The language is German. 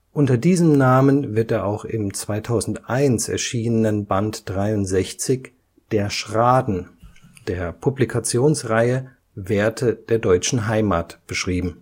Unter diesem Namen wird er auch im 2001 erschienenen Band 63 Der Schraden der Publikationsreihe Werte der deutschen Heimat beschrieben